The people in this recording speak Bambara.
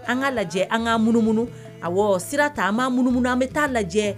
An ŋa lajɛ an ŋa munumunu awɔɔ sira ta an b'an munumunu an bɛ taa lajɛ